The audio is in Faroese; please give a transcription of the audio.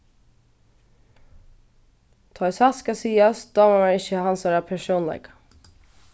tá ið satt skal sigast dámar mær ikki hansara persónleika